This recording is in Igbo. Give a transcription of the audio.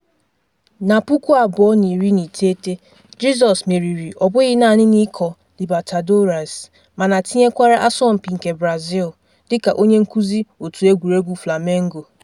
Na 2019, Jizọs meriri ọ bụghị naanị n'Iko Libertadores, mana tinyekwara Asọmpi nke Brazil dịka onye nkụzi òtù egwuregwu Flamengo.